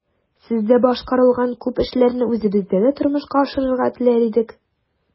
Сездә башкарылган күп эшләрне үзебездә дә тормышка ашырырга теләр идек.